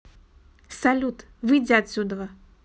салют выйди отсюдова